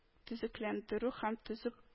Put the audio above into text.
Төзекләндерү һәм төзү